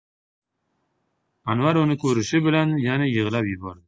anvar uni ko'rishi bilan yana yig'lab yubordi